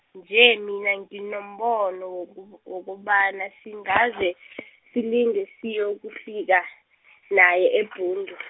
nje mina nginombono woku- wokobana singaze, silinge siyokufika, naye eBhundu.